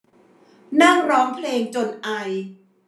นั่งร้องเพลงจนไอ